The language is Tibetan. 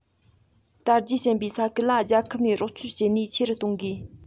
དར རྒྱས ཞན པའི ས ཁུལ ལ རྒྱལ ཁབ ནས རོགས སྐྱོར བྱེད ནུས ཆེ རུ གཏོང དགོས